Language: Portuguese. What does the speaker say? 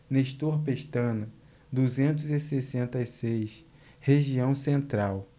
nestor pestana duzentos e sessenta e seis região central